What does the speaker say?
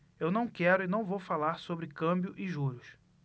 eu não quero e não vou falar sobre câmbio e juros